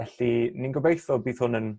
Felly ni'n gobeitho bydd hwn yn